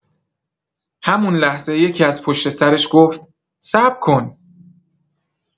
همون لحظه یکی‌از پشت سرش گفت: صبر کن!